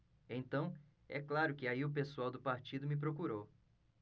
então é claro que aí o pessoal do partido me procurou